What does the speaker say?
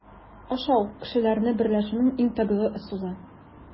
Ашау - кешеләрне берләшүнең иң табигый ысулы.